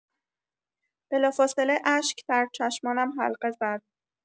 بلافاصله اشک در چشمانم حلقه زد.